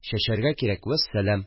Чәчәргә кирәк, вәссәләм